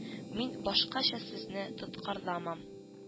— мин башкача сезне тоткарламам